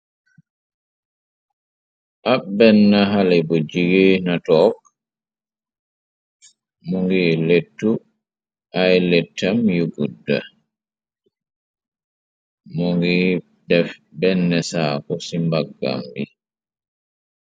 Ab benn xale bu jigee na toog mu ngi léttu ay létam yu gudda mu ngi def benn saaku ci mbaggam bi.